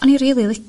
o'n i rili